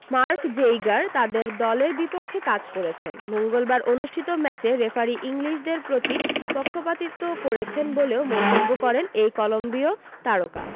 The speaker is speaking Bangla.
মার্ক জেইগার তাদের দলের বিপক্ষে কাজ করেছেন মঙ্গলবার অনুষ্ঠিত ম্যাচে রেফারি ইংলিশদের প্রতি পক্ষিপাতিত্ব করেছেন বলেও মন্তব্য করেন এই কলম্বিয় তারকা